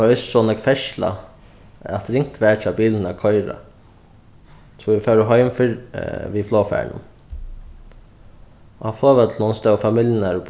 har var eisini so nógv ferðsla at ringt var hjá bilunum at koyra so vit fóru heim fyrr við flogfarinum á flogvøllinum stóðu familjurnar og